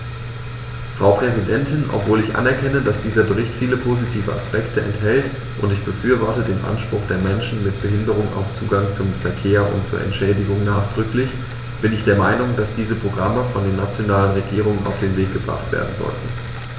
Frau Präsidentin, obwohl ich anerkenne, dass dieser Bericht viele positive Aspekte enthält - und ich befürworte den Anspruch der Menschen mit Behinderung auf Zugang zum Verkehr und zu Entschädigung nachdrücklich -, bin ich der Meinung, dass diese Programme von den nationalen Regierungen auf den Weg gebracht werden sollten.